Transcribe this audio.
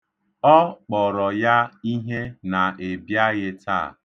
Ọ kpọrọ ya ihe na ị bịaghị taa.